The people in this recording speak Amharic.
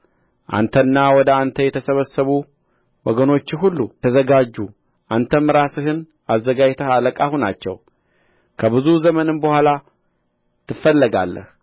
አንተና ወደ አንተ የተሰበሰቡ ወገኖችህ ሁሉ ተዘጋጁ አንተም ራስህን አዘጋጅተህ አለቃ ሁናቸው ከብዙ ዘመንም በኋላ ትፈለጋለህ